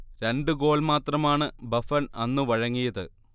രണ്ട് ഗോൾ മാത്രമാണ് ബഫൺ അന്ന് വഴങ്ങിയത്